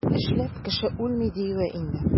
Эшләп кеше үлми, диюе инде.